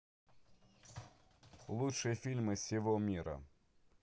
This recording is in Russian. лучшие фильмы всего мира